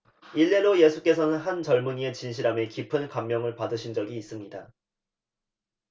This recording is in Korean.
일례로 예수께서는 한 젊은이의 진실함에 깊은 감명을 받으신 적이 있습니다